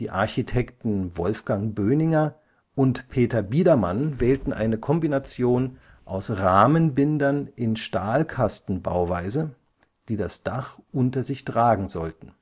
Architekten Wolfgang Böninger und Peter Biedermann wählten eine Kombination aus Rahmenbindern in Stahlkastenbauweise, die das Dach unter sich tragen sollten